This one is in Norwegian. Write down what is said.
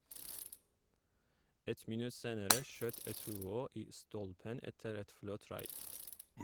Ett minutt senere skjøt Eto'o i stolpen etter et flott raid.